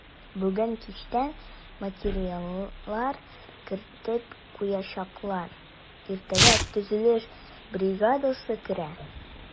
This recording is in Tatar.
Бүген кичтән материаллар кертеп куячаклар, иртәгә төзелеш бригадасы керә.